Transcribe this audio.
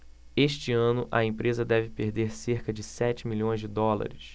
este ano a empresa deve perder cerca de sete milhões de dólares